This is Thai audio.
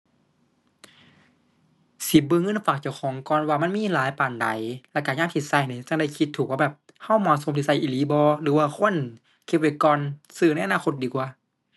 สิเบิ่งเงินฝากเจ้าของก่อนว่ามันมีหลายปานใด แล้วก็ยามสิก็นี่จั่งได้คิดถูกว่าแบบก็เหมาะสมสิก็อีหลีบ่หรือว่าควรเก็บไว้ก่อน ซื้อในอนาคตดีกว่า